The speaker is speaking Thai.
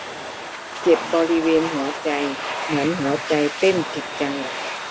เจ็บบริเวณหัวใจเหมือนหัวใจเต้นผิดจังหวะ